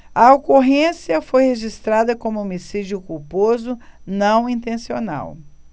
a ocorrência foi registrada como homicídio culposo não intencional